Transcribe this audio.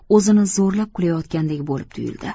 o'zini zo'rlab kulayotgandek bo'lib tuyuldi